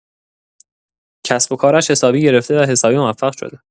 کسب و کارش حسابی گرفته و حسابی موفق شده.